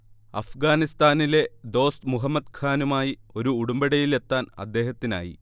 അഫ്ഗാനിസ്താനിലെ ദോസ്ത് മുഹമ്മദ് ഖാനുമായി ഒരു ഉടമ്പടിയിലെത്താൻ അദ്ദേഹത്തിനായി